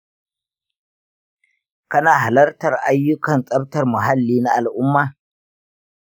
kana halartar ayyukan tsaftar muhalli na al’umma?